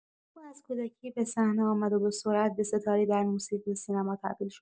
او از کودکی به صحنه آمد و به‌سرعت به ستاره‌ای در موسیقی و سینما تبدیل شد.